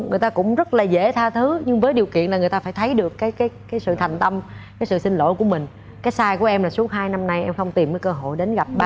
người ta cũng rất là dễ tha thứ nhưng với điều kiện là người ta phải thấy được cái cái cái sự thành tâm cái sự xin lỗi của mình cái sai của em là suốt hai năm nay em không tìm cái cơ hội đến gặp ba